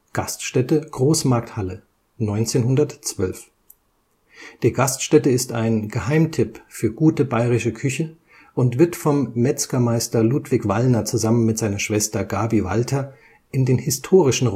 Gaststätte Großmarkthalle, 1912: Die Gaststätte ist ein „ Geheimtipp “für gute bayrische Küche und wird von Metzgermeister Ludwig Wallner zusammen mit seiner Schwester Gabi Walter in den historischen